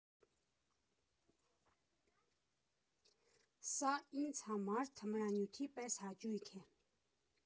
Սա ինձ համար թմրանյութի պես հաճույք է։